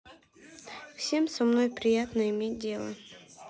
всем со мной приятно иметь дело